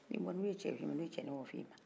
n'i bɔra n'u ye cɛ f'i ma n'u ye cɛnin o f'i ma